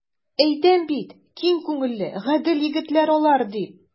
Әйтәм бит, киң күңелле, гадел егетләр алар, дип.